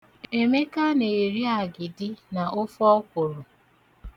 Emeka na-eri agidi na ofe ọkwụrụ.